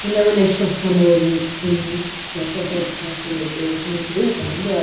Fi newydd wneud siopad mawr yn, yym timod, siop yr wythnos yn Lidl. Mae'n ddrud nawr, yndyw e?